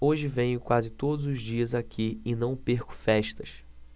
hoje venho quase todos os dias aqui e não perco festas